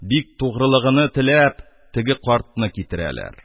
Бик тугрылыгыны теләп, теге картны китерәләр.